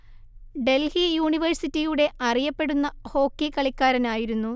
ഡൽഹി യൂണിവേഴ്സിറ്റിയുടെ അറിയപ്പെടുന്ന ഹോക്കി കളിക്കാരനായിരുന്നു